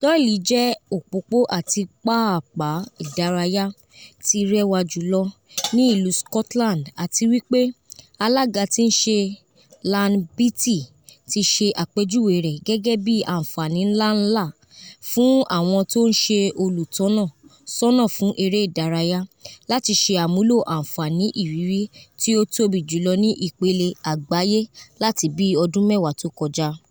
Doyle jẹ òpòpò ati pápàá idáráyá ti réwá júlọ no ilú Scotland ati wipe alaga ti nse lan Beattie ti se apejuwé rẹ gẹgẹ bi anfaani ńla ńlá fun awọn ton se olutọni sọna fun èrè daraya lati se amulo anfaani iriri ti o tobi julọ ni Ipele agbaye lati bi ọdin mẹwa to koja.